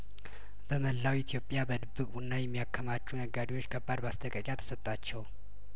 በመላው ኢትዮጵያበድብቅ ቡና የሚያከማቹ ነጋዴዎች ከባድ ማስጠንቀቂያተሰጣቸው